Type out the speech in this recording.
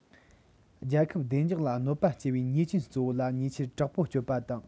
རྒྱལ ཁབ བདེ འཇགས ལ གནོད པ སྐྱེལ བའི ཉེས ཅན གཙོ བོ ལ ཉེས ཆད དྲག པོ གཅོད པ དང